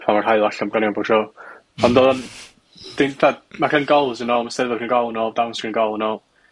pan ma'r haul allan pob tro. Ond odd o'n dim 'tha... Ma rhyng gols yn ôl, ma' 'Steddfod rhyng gol yn ôl, dawns rhwng gol yn ôl.